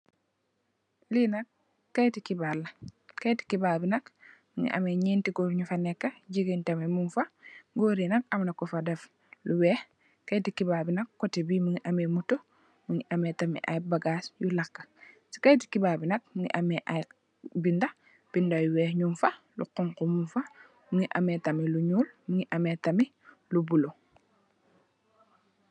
Lenak keytei xibaar la keytei xbaar bi nak mingi ami nyeen ti goor yu fa neka jigeen tarimt mogfah goor nak amna ko fa deef lo weex keytei xbaar nak co teh bi mingi ami moto mingi ami tarimt keyet ay bagas yu laka ci keyeti xbaar binak mingi ami ay bindah bindah yu weex nufa lo xongo mogfah mingi ami tarimt lo nuul mingi ami tarmit lo bulu.